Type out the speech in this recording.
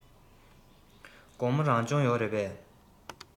དགོང མོ རང སྦྱོང ཡོད རེད པས